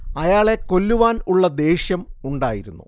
അയാളെ കൊല്ലുവാൻ ഉള്ള ദേഷ്യം ഉണ്ടായിരുന്നു